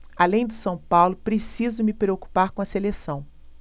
além do são paulo preciso me preocupar com a seleção